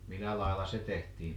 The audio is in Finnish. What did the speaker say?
millä lailla se tehtiin